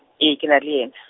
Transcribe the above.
ee kena le yena.